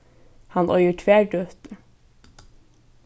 hann eigur tvær døtur